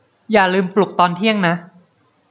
อย่าลืมปลุกตอนเที่ยงนะ